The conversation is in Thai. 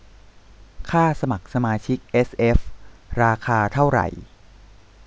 ค่าสมัครสมาชิกเอสเอฟราคาเท่าไหร่